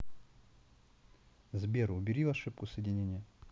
сбер убери ошибку соединения